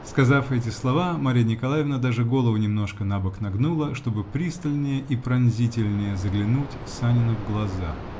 Сказав эти слова, Марья Николаевна даже голову немножко набок нагнула, чтобы пристальнее и пронзительнее заглянуть Санину в глаза